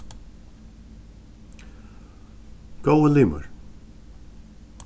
góðu limir